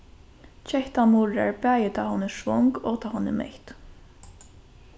kettan murrar bæði tá hon er svong og tá hon er mett